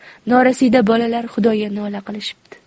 norasida bolalar xudoga nola qilishibdi